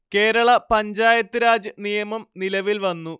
കേരളാ പഞ്ചായത്ത് രാജ് നിയമം നിലവിൽ വന്നു